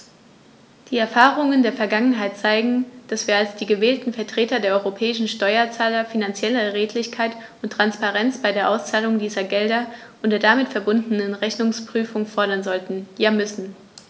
Die Erfahrungen der Vergangenheit zeigen, dass wir als die gewählten Vertreter der europäischen Steuerzahler finanzielle Redlichkeit und Transparenz bei der Auszahlung dieser Gelder und der damit verbundenen Rechnungsprüfung fordern sollten, ja müssen.